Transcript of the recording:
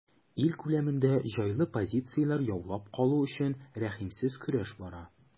Ил күләмендә җайлы позицияләр яулап калу өчен рәхимсез көрәш бара.